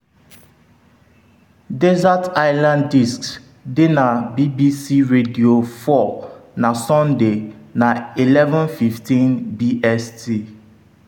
Desert Island Discs dị na BBC Radio 4 na Sọnde na 11:15 BST.